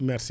merci